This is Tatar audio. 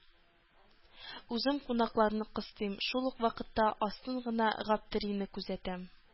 Үзем кунакларны кыстыйм, шул ук вакытта астан гына Гаптерине күзәтәм.